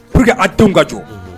Poue que actant ka jɔ